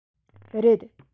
རེད